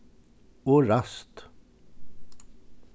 og ræst